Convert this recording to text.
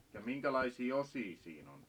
ja minkälaisia osia siinä on